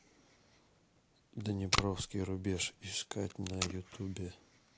днепровский рубеж искать на ютубе